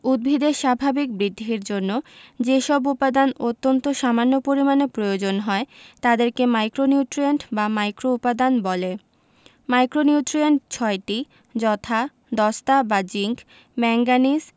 উদ্ভিদের স্বাভাবিক বৃদ্ধির জন্য যেসব উপাদান অত্যন্ত সামান্য পরিমাণে প্রয়োজন হয় তাদেরকে মাইক্রোনিউট্রিয়েন্ট বা মাইক্রোউপাদান বলে মাইক্রোনিউট্রিয়েন্ট ৬টি যথা দস্তা বা জিংক ম্যাংগানিজ